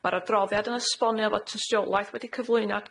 Ma'r adroddiad yn esbonio fod tystiolaeth wedi cyflwyno